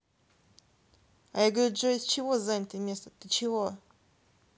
a я говорю джой из чего занятое место ты чего